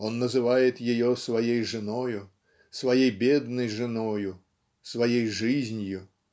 Он называет ее своей женою, своей бедной женою, своей жизнью